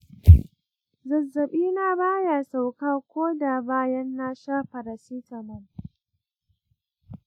zazzabina baya sauka ko da bayan na sha paracetamol.